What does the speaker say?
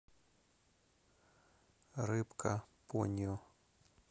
рыбка поньо